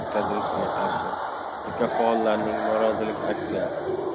o'tkazilishiga qarshi ekofaollarning norozilik aksiyasi